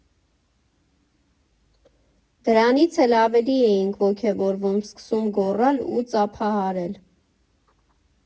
Դրանից էլ ավելի էինք ոգևորվում, սկսում գոռալ ու ծափահարել։